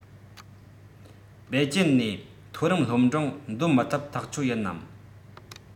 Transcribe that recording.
པེ ཅིང ནས མཐོ རིམ སློབ འབྲིང འདོན མི ཐུབ ཐག ཆོད ཡིན ནམ